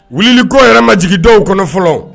Wulili ko yɛrɛ ma jigin dɔw kɔnɔ fɔlɔ.